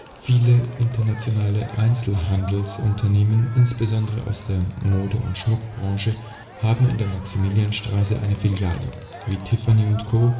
Viele internationale Einzelhandelsunternehmen, insbesondere aus der Mode - und Schmuckbranche haben in der Maximilianstraße eine Filiale, wie beispielsweise Tiffany & Co.